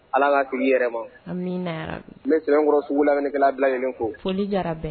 Ala k'a hakili yɛrɛ ma n sinankɔrɔ sugu laminikɛla bilaɲini ko